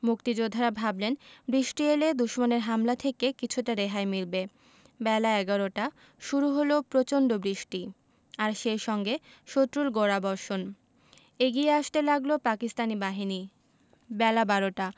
মুক্তিযোদ্ধারা ভাবলেন বৃষ্টি এলে দুশমনের হামলা থেকে কিছুটা রেহাই মিলবে বেলা এগারোটা শুরু হলো প্রচণ্ড বৃষ্টি আর সেই সঙ্গে শত্রুর গোলাবর্ষণ এগিয়ে আসতে লাগল পাকিস্তানি বাহিনী বেলা বারোটা